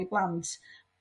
i blant